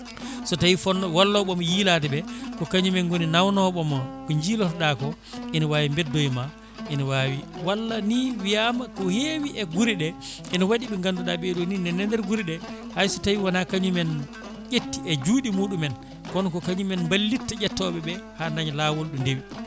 so tawi fonno walloɓema yiilade ɓe ko kañumen gooni anwonoɓema ko jiilotoɗa ko ena wawi beddoyoma ene wawi walla ni wiyama ko heewi e guureɗe ene waɗi ɓe ganduɗa ɓeeɗo ni nana e nder guure ɗe hayso tawi wona kañumen ƴetti e juuɗe muɗumen kono ko kañumen ballitta ƴettoɓeɓe ha daaña lawol ɗo ndeewi